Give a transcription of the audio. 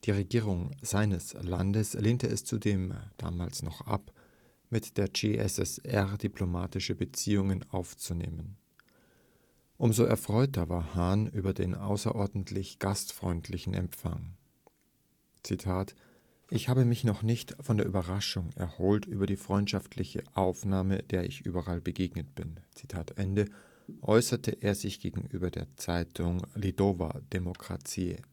Regierung seines Landes lehnte es zudem damals noch ab, mit der CSSR diplomatische Beziehungen aufzunehmen. Um so erfreuter war Hahn über den außerordentlich gastfreundlichen Empfang. ‚ Ich habe mich noch nicht von der Überraschung erholt über die freundschaftliche Aufnahme, der ich überall begegnet bin ‘äußerte er sich gegenüber der Zeitung ‚ Lidová Demokracie